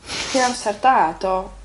Ia amser da do...